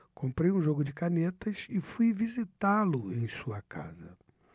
comprei um jogo de canetas e fui visitá-lo em sua casa